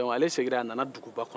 dɔnku ale seginna a nana duguba kɔnɔ